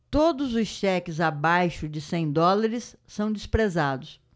todos os cheques abaixo de cem dólares são desprezados